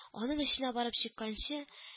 Аның очына барып чыкканчы